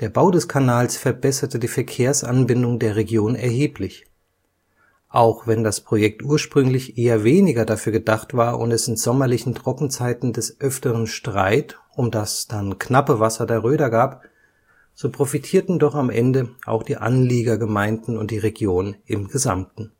Bau des Kanals verbesserte die Verkehrsanbindung der Region erheblich. Auch wenn das Projekt ursprünglich eher weniger dafür gedacht war und es in sommerlichen Trockenzeiten des Öfteren Streit um das dann knappe Wasser der Röder gab, so profitierten doch am Ende auch die Anliegergemeinden und die Region im Gesamten